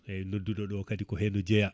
eyyi nodduɗo ɗo kadi ko hen o jeeya